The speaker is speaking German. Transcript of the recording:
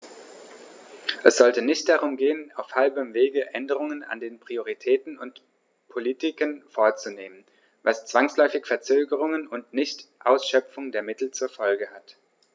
Es sollte nicht darum gehen, auf halbem Wege Änderungen an den Prioritäten und Politiken vorzunehmen, was zwangsläufig Verzögerungen und Nichtausschöpfung der Mittel zur Folge hat.